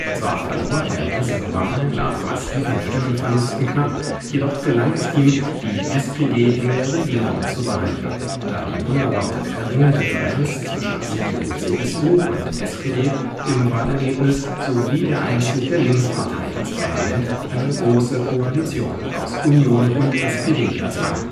Zwar verlor er diese Wahlen nach massiven Stimmverlusten knapp, jedoch gelang es ihm, die SPD in der Regierung zu behalten, da die unerwartet geringe Differenz zwischen CDU/CSU und SPD im Wahlergebnis sowie der Einzug der Linkspartei ins Parlament eine große Koalition aus Union und SPD erzwang